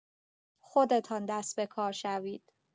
خودتان دست به کار شوید.